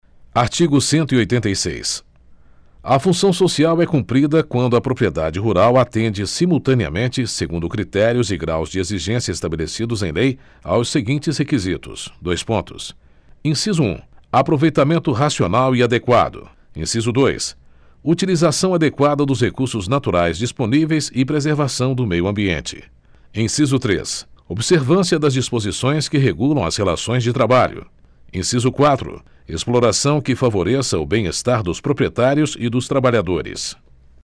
artigo cento e oitenta e seis a função social é cumprida quando a propriedade rural atende simultaneamente segundo critérios e graus de exigência estabelecidos em lei aos seguintes requisitos dois pontos inciso um aproveitamento racional e adequado inciso dois utilização adequada dos recursos naturais disponíveis e preservação do meio ambiente inciso três observância das disposições que regulam as relações de trabalho inciso quatro exploração que favoreça o bem estar dos proprietários e dos trabalhadores